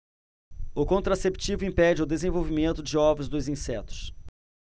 o contraceptivo impede o desenvolvimento de ovos dos insetos